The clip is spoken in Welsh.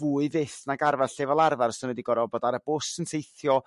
fwy fyth nag arfar lle fel arfar 'sa nhw wedi gor'o' bod ar y bws yn teithio